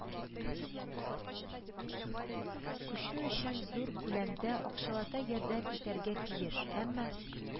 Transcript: Күчү өчен зур күләмдә акчалата ярдәм итәргә тиеш, әмма